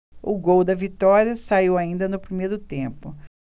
o gol da vitória saiu ainda no primeiro tempo